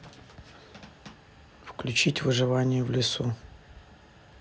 включить выживание в лесу